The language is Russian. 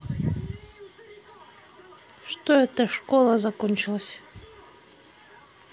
что это школа закончилась